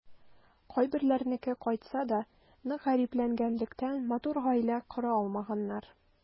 Кайберләренеке кайтса да, нык гарипләнгәнлектән, матур гаилә кора алмаганнар.